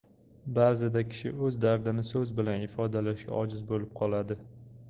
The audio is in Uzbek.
ba'zida kishi o'z dardini so'z bilan ifodalashga ojiz bo'lib qoladi